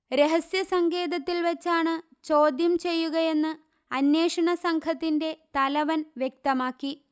രഹസ്യ സങ്കേതത്തിൽ വെച്ചാണ് ചോദ്യം ചെയ്യുകയെന്ന് അന്വേഷണ സംഘത്തിന്റെ തലവൻവ്യക്തമാക്കി